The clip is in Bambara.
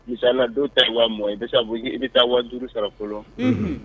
Mi na don ta wa mɔ i bɛ i bɛ taa wa duuru sara fɔlɔ